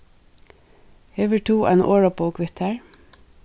hevur tú eina orðabók við tær